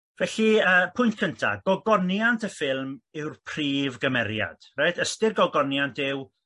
Felly yy pwynt cyntaf gogoniant y ffilm yw'r prif gymeriad reit ystyr gogoniant yw